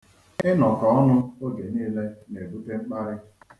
Ịnọkọ ọnụ oge niile na-ebute mkparị.